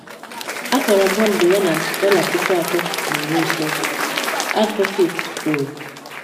Atọrọ bọndụ ya na $350,000, Advocate kwuru.